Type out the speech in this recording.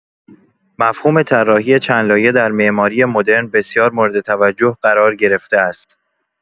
مفهوم طراحی چندلایه در معماری مدرن بسیار مورد توجه قرار گرفته است.